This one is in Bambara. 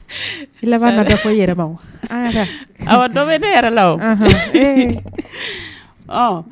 Ko yɛrɛ a dɔ ne yɛrɛ la